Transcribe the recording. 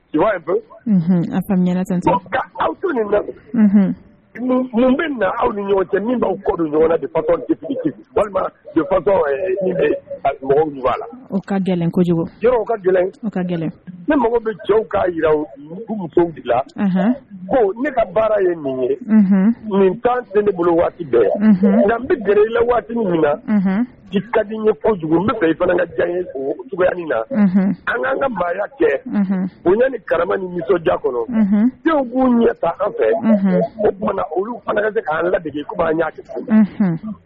Aw bɛ na aw ni ɲɔgɔn cɛ min b'aw ɲɔgɔn walima la ka gɛlɛn ka gɛlɛn gɛlɛn ne mago bɛ cɛw ka yi musow dilan ko ne ka baara ye nin ye nin' sen ne bolo waati bɛɛlan bɛ gɛrɛ i la waati min na ji ye fɔ kojugu fɛ i fana juguya na an'an ka maaya kɛ bonya ni kara ni nisɔndiya kɔnɔ denw b'u ye ta an fɛ bɔn olu fana se k' lade ɲɛ